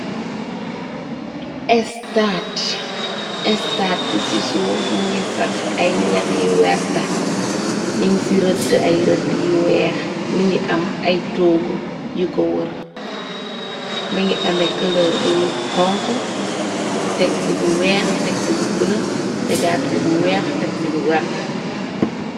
Estaat, estaat bi ci suuf mi ngi sax ay ñax yi werta ning ci rëdd ay rëdd yi weex mi ngi am ay toogu yi ko weur mi ngi amé këlër bu khonkho teg ci bu weex teg si bu bula tégaat si bu weex teg si bu werta.